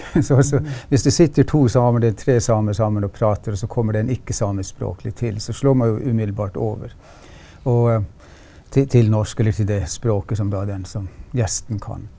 så altså hvis det sitter to samer eller tre samer sammen å prater og så kommer det en ikke-samisk språklig til så slår man jo umiddelbart over og til norsk eller til det språket som da den som gjesten kan.